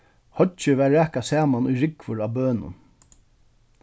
hoyggið var rakað saman í rúgvur á bønum